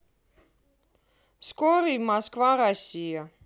скорый москва россия